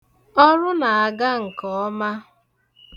Ọrụ na-aga nke ọma.